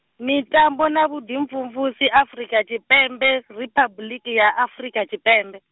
mitambo na vhuḓimvumvusi Afrika Tshipembe, Riphabuḽiki ya Afurika Tshipembe.